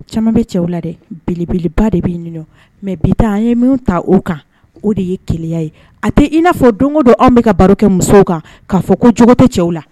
Caman bɛ cɛw la dɛ belebeleba de bɛ' mɛ bi taa an ye min ta o kan o de ye keya ye a tɛ i n'a fɔ don don anw bɛka ka baro kɛ musow kan k kaa fɔ ko cogo tɛ cɛw la